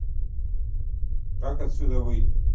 как отсюда выйти